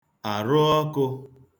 àrụọkụ̄